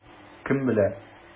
Кем белә?